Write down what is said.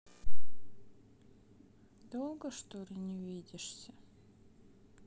долго что ли не видишься